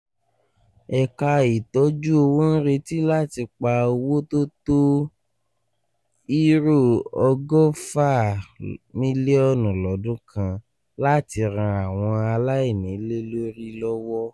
Ẹ̀ka ìtọ́júowo ń retí láti pa owó tó tó £120 million lọ́dún kan - láti ran àwọn aláìnílélórí lọ́wọ̀.